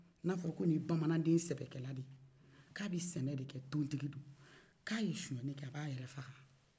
n'a fɔra ko nin ye bamannanden sɛbɛkɛla de ye k'a bɛ sɛnɛ de kɛ k'a ye sonyani kɛ a b'a yɛrɛ faga